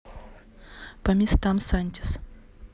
по местам сантиз